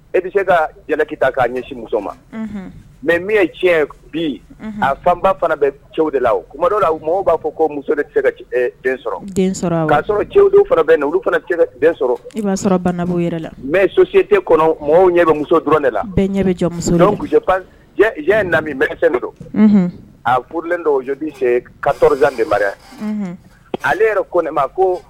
E bɛ sekia ɲɛ muso ma mɛ min cɛ bi a fanba fana bɛ cɛw de la o kuma dɔ la u mɔgɔw b'a fɔ ko muso den sɔrɔ k'a sɔrɔ cɛw fana olu fana sɔrɔ i b'abɔ yɛrɛ la mɛ so sete kɔnɔ mɔgɔw ɲɛ bɛ muso dɔrɔn de la na don a furulen dɔwdi se kaɔrɔbaya ale yɛrɛ ko ne ma